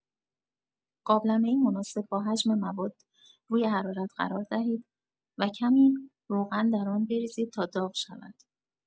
قابلمه‌ای مناسب با حجم مواد روی حرارت قرار دهید و کمی روغن در آن بریزید تا داغ شود.